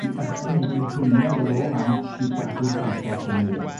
i ychwynegu haenen o ro man i gadw'r compost yn 'i le.